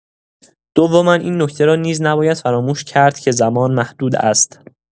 دوما، این نکته را نیز نباید فراموش کرد که زمان محدود است.